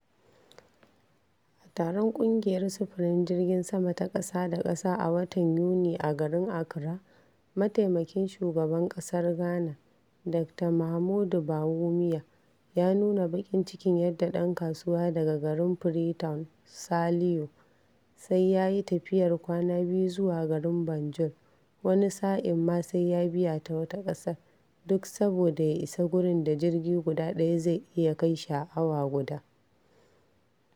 A taron ƙungiyar Sufurin Jirgin Sama ta ƙasa da ƙasa a watan Yuni a garin Accra, Mataimakin Shugaban ƙasar Gana, Dr, Mahamudu Bawumia, ya nuna baƙin cikin yadda "ɗan kasuwa daga garin Free Town [Saliyo] sai ya yi tafiyar kwana biyu zuwa garin Banjul (wani sa'in ma sai ya biya ta wata ƙasar) duk saboda ya isa gurin da jirgi guda ɗaya zai iya kai shi a awa guda".